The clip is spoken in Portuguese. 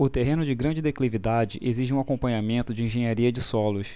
o terreno de grande declividade exige um acompanhamento de engenharia de solos